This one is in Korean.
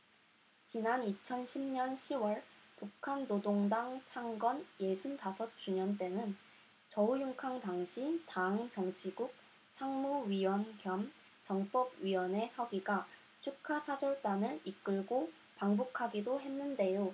지난 이천 십 년 시 월 북한 노동당 창건 예순 다섯 주년 때는 저우융캉 당시 당 정치국 상무위원 겸 정법위원회 서기가 축하사절단을 이끌고 방북하기도 했는데요